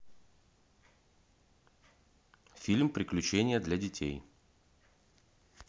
фильм приключения для детей